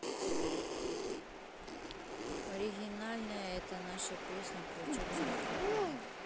оригинальная это наша песня про черного кота